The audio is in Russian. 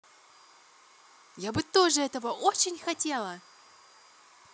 я бы тоже этого очень хотела